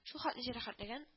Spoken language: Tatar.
Шул хәтле җәрәхәтләгән, а